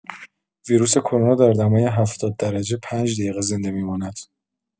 ویروس کرونا در دمای ۷۰ درجه پنج دقیقه زنده می‌ماند.